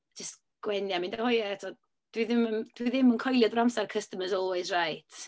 Jyst gwenu a mynd, "o, ie" timod. Dwi ddim yn dwi ddim yn coelio drwy'r amser customer's always right.